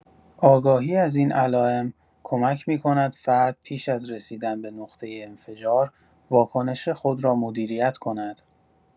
آگاهی از این علائم کمک می‌کند فرد پیش از رسیدن به نقطه انفجار، واکنش خود را مدیریت کند.